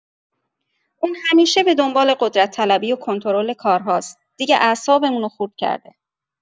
اون همیشه به دنبال قدرت‌طلبی و کنترل کارهاست، دیگه اعصابمون رو خورد کرده.